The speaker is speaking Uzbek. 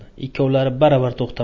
ikkovlari baravar to'xtab